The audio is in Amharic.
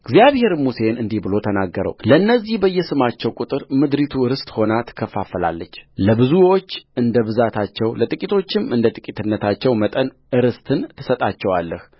እግዚአብሔርም ሙሴን እንዲህ ብሎ ተናገረውለእነዚህ በየስማቸው ቍጥር ምድሪቱ ርስት ሆና ትከፈላለችለብዙዎቹ እንደ ብዛታቸው ለጥቂቶቹም እንደ ጥቂትነታቸው መጠን ርስትን ትሰጣቸዋለህ